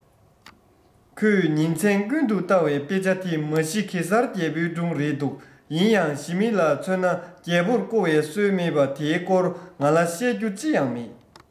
ཁོས ཉིན མཚན ཀུན ཏུ ལྟ བའི དཔེ ཆ དེ མ གཞི གེ སར རྒྱལ པོའི སྒྲུང རེད འདུག ཡིན ཡང ཞི མི ལ མཚོན ན རྒྱལ པོར བསྐོ བའི སྲོལ མེད པས དེའི སྐོར ང ལ བཤད རྒྱུ ཅི ཡང མེད